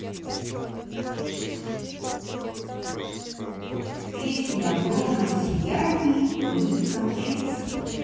песня в лунном сиянии куница мчится